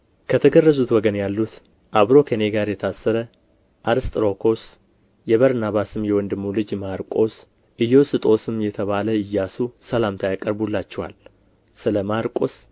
ከተገረዙት ወገን ያሉት አብሮ ከእኔ ጋር የታሰረ አርስጥሮኮስ የበርናባስም የወንድሙ ልጅ ማርቆስ ኢዮስጦስም የተባለ ኢያሱ ሰላምታ ያቀርቡላችኋል ስለ ማርቆስ